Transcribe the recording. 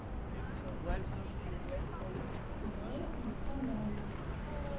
известный цунами